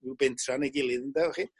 ryw bentra neu gilydd ynde wch chi